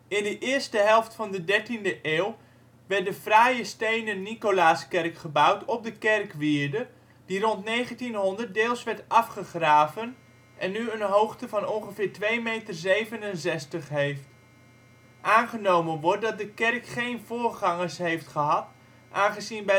In de eerste helft van de 13e eeuw werd de fraaie stenen Nicolaaskerk gebouwd op de kerkwierde, die rond 1900 deels werd afgegraven en nu een hoogte van ongeveer 2,67 meter heeft. Aangenomen wordt dat de kerk geen voorgangers heeft gehad aangezien